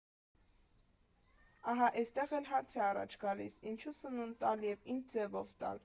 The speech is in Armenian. Ահա էստեղ էլ հարց է առաջ գալիս՝ի՞նչ սնունդ տալ և ի՞նչ ձևով տալ։